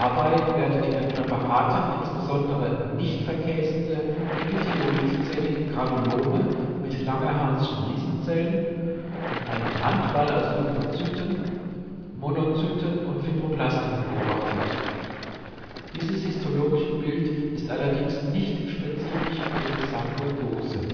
Dabei werden in den Präparaten insbesondere nicht-verkäsende, epitheloidzellige Granulome mit Langerhans ' Riesenzellen und einem Randwall aus Lymphozyten, Monozyten und Fibroblasten beobachtet. Das histologische Bild ist allerdings nicht spezifisch für die Sarkoidose